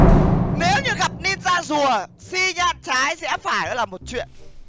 nếu như gặp nin da rùa xi nhan trái rẽ phải nó là một chuyện